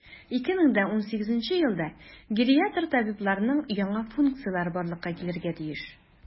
2018 елда гериатр табибларның яңа функцияләре барлыкка килергә тиеш.